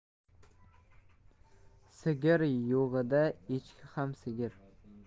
sigir yo'g'ida echki ham sigir